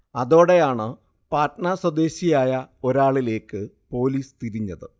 അതോടെയാണ് പട്ന സ്വദേശിയായ ഒരാളിലേക്ക് പൊലീസ് തിരിഞ്ഞത്